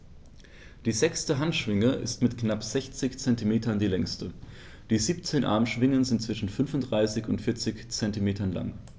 Die sechste Handschwinge ist mit knapp 60 cm die längste. Die 17 Armschwingen sind zwischen 35 und 40 cm lang.